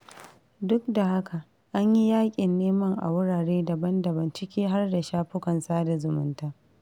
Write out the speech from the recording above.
Duk da haka, an yi yaƙin neman a wurare daban-daban ciki har da shafukan sada zumunta.